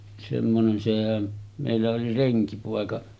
semmoinen sehän meillä oli renkipoika